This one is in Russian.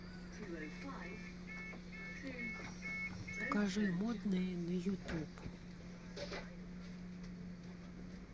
покажи модное на ютуб